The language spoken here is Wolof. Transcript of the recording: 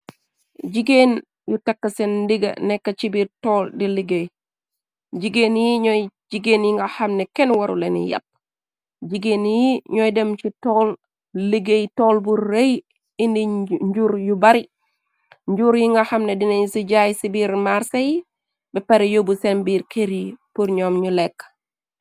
Jigéen yu tàkk seen digga nekk ci biir toll di liggéey jigéen yi ñooy jigéen yi nga xamne kenn waru la ni yapp jiggéen yi ñooy dem ci oliggéey toll bu rëy indi njur yu bari njuur yi nga xamne dinay ci jaay ci biir marsé y ba pare yóbbu seen biir kër yi purñoom ñu lekk.